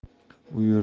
u yerda hamma